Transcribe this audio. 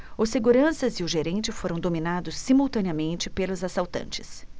os seguranças e o gerente foram dominados simultaneamente pelos assaltantes